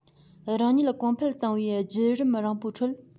རང ཉིད གོང འཕེལ བཏང བའི བརྒྱུད རིམ རིང པོའི ཁྲོད